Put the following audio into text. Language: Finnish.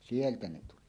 sieltä ne tuli